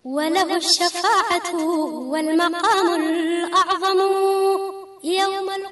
Wabugu walima ya